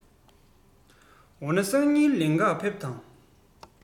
འོ ན སང ཉིན ལེན ག ཕེབས དང